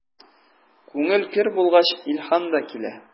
Күңел көр булгач, илһам да килә.